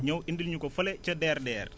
ñëw indil ñu ko fële ca DRDR